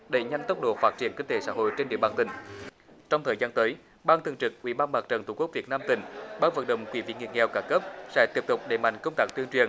đẩy nhanh tốc độ phát triển kinh tế xã hội trên địa bàn tỉnh trong thời gian tới ban thường trực ủy ban mặt trận tổ quốc việt nam tỉnh bắc vận động quỹ vì người nghèo các cấp sẽ tiếp tục đẩy mạnh công tác tuyên truyền